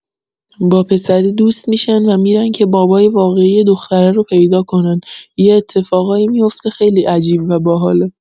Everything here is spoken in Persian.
با پسره دوست می‌شن و می‌رن که بابای واقعی دختره رو پیدا کنن یه اتفاقایی میفته خیلی عجیب و باحاله